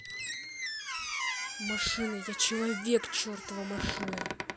машина я человек чертова машина